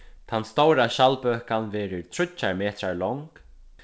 tann stóra skjaldbøkan verður tríggjar metrar long